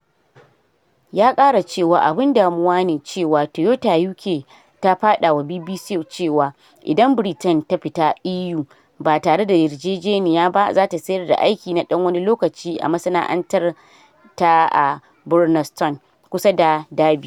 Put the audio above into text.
Ya kara cewa abun “damuwa ne” cewa Toyota UK ta fada wa BBC cewa idan Britain ta fita EU ba tare da yarjejeniya ba zata sayar da aiki na dan wani lokaci a masana’antar ta a Burnaston, kusa da Derby.